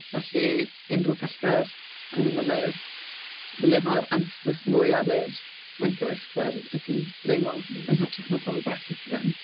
Felly, unrhyw pellter yn y mynydd, le mae'r emphasis mwy ar yr faint o uchder wyt ti'n dringo... m-hm ...yn hytrach na pa mor bell wyt ti'n mynd.